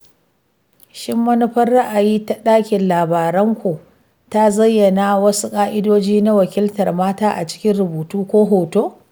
Shin manufar ra'ayi ta ɗakin labaranku ta zayyana wasu ƙa'idoji na wakiltar mata a cikin rubutu ko hoto?